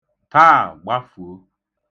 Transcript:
Taa! Gbafuo!